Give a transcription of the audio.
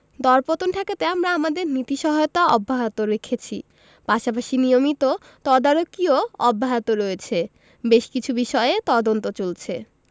দরপতন ঠেকাতে আমরা আমাদের নীতি সহায়তা অব্যাহত রেখেছি পাশাপাশি নিয়মিত তদারকিও অব্যাহত রয়েছে বেশ কিছু বিষয়ে তদন্ত চলছে